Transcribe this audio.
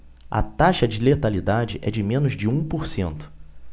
a taxa de letalidade é de menos de um por cento